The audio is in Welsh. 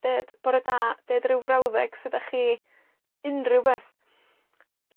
Ded bore da. Ded ryw frawddeg. Sud 'dach chi? Unryw beth.